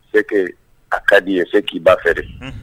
Seke a ka di i ye se k'i ba fɛ dɛ